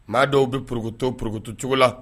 N'a dɔw bɛ purto purugutu cogo la